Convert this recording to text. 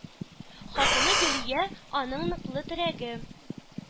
Хатыны Гөлия – аның ныклы терәге.